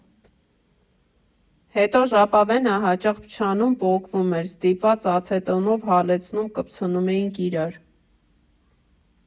Հետո ժապավենը հաճախ փչանում, պոկվում էր՝ ստիպված ացետոնով հալեցնում կպցնում էինք իրար։